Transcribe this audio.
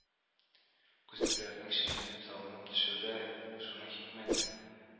Күз төпләренең шешенеп-салынып төшүе дә шуның хикмәте